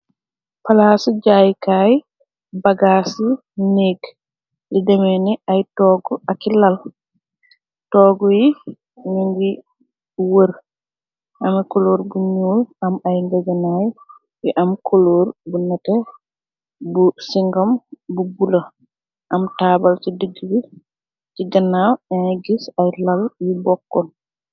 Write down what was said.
Palaas su jaayikaay bagaas yi néeg li deme ni ay toggu aki lal toggu yi ni ngi wër ame koloor bu nuul am ay ngegenaay yu am koloor bu nete bu singam bu bula am taabal ci digrir ci ganaaw in gis ay lal yu bokkoon.